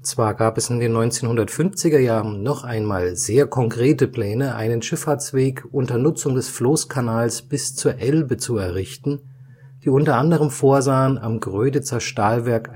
Zwar gab es in den 1950er Jahren noch einmal sehr konkrete Pläne, einen Schifffahrtsweg unter Nutzung des Floßkanals bis zur Elbe zu errichten, die unter anderem vorsahen, am Gröditzer Stahlwerk